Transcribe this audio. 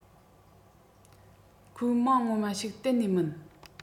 ཁོའི མིང ངོ མ ཞིག གཏན ནས མིན